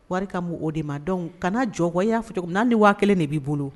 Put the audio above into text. Wari bon o de ma dɔn kana jɔgo i y'a fɔcogo n' ni waa kelen de b'i bolo